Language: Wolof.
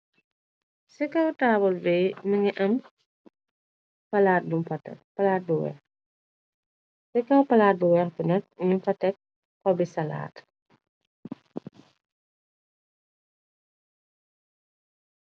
Ci kaw taabul be mongi am palat bung fa def palat bu weex ci kaw palat bu weex bi nak nyun fa tek xobi salaat.